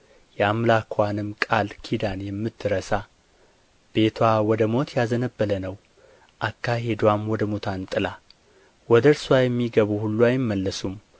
የአምላክዋንም ቃል ኪዳን የምትረሳ ቤትዋ ወደ ሞት ያዘነበለ ነው አካሄድዋም ወደ ሙታን ጥላ ወደ እርስዋ የሚገቡ ሁሉ አይመለሱም